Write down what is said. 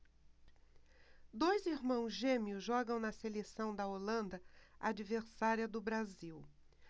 dois irmãos gêmeos jogam na seleção da holanda adversária do brasil